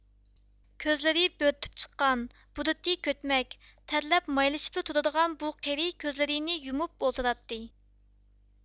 كۆزلىرى بۆرتۈپ چىققان بۇرۇتى كۆتمەك تەرلەپ مايلىشىپلا تۇرىدىغان بۇ قېرى كۆزلىرىنى يۇمۇپ ئولتۇراتتى